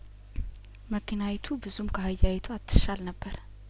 መኪናዪቱ ብዙም ካህያዪቱ አትሻል ነበረ